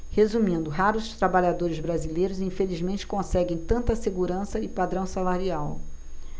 resumindo raros trabalhadores brasileiros infelizmente conseguem tanta segurança e padrão salarial